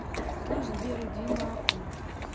слышь сбер иди нахуй